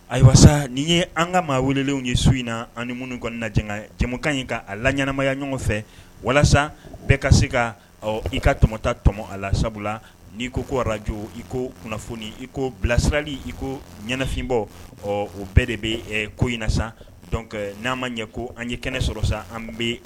Ayiwa nin ye an ka maa welelen ye su in na an minnu kɔnɔna na jan cɛmankan in ka a la ɲɛnaanamaya ɲɔgɔn fɛ walasa bɛɛ ka se ka i ka tɔmɔta tɔmɔ a la sabula n'i ko ko ararajo i ko kunnafoni i ko bilasirali iko ɲɛnafinbɔ ɔ o bɛɛ de bɛ ko in san dɔn n'an ma ɲɛ ko an ye kɛnɛ sɔrɔ san an bɛ